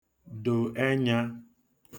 dò ẹnya